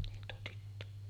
niin tuo tyttö